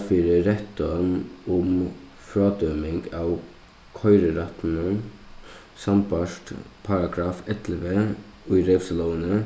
fyri rættin um frádøming av koyrirættinum sambært paragraff ellivu í revsilógini